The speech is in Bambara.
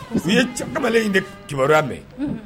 Mus u ye c kamalen in de kibaruya mɛ unhun